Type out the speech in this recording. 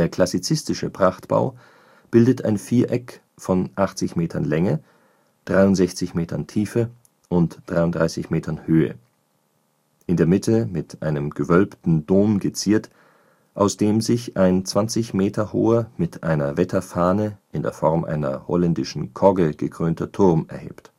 klassizistische Prachtbau bildet ein Viereck von 80 Metern Länge, 63 Metern Tiefe und 33 Metern Höhe, in der Mitte mit einem gewölbten Dom geziert, aus dem sich ein 20 Meter hoher, mit einer Wetterfahne in der Form einer holländischen Kogge gekrönter Turm erhebt